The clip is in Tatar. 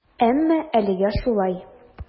Әмма әлегә шулай.